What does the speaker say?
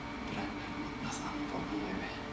Brennan nath anfon hwnna i fi.